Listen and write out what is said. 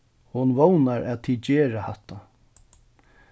hon vónar at tit gera hatta